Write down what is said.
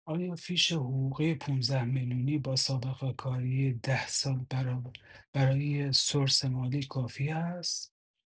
آیا فیش حقوقی ۱۵ میلیونی باسابقه کاری ۱۰ سال برای سورس مالی کافی هست؟